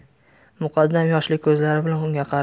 muqaddam yoshli ko'zlari bilan unga qaradi